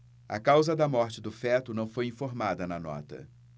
a causa da morte do feto não foi informada na nota